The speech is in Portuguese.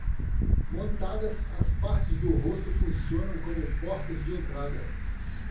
montadas as partes do rosto funcionam como portas de entrada